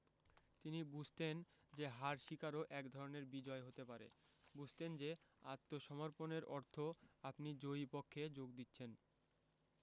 তিনি বুঝতেন যে হার স্বীকারও একধরনের বিজয় হতে পারে বুঝতেন যে আত্মসমর্পণের অর্থ আপনি জয়ী পক্ষে যোগ দিচ্ছেন